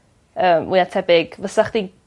yy mwya tebyg fysach chdi